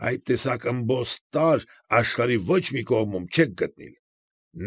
Այդ տեսակ ըմբոստ տարր աշխարհի ոչ մի կողմում չեք գտնիլ։